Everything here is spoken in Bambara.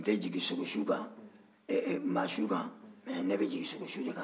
n tɛ jigin maasu kan nka n bɛ jigin sogosu kan